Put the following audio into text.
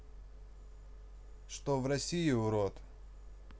что в россии урод